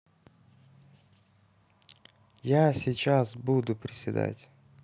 я сейчас буду приседать